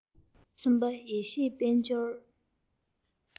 སུམ པ ཡེ ཤེས དཔལ འབྱོར